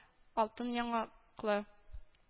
Алтын яңаклы